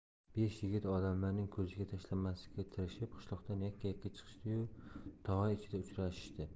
besh yigit odamlarning ko'ziga tashlanmaslikka tirishib qishloqdan yakka yakka chiqishdi yu to'qay ichida uchrashishdi